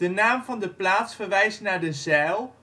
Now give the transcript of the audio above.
naam van de plaats verwijst naar de zijl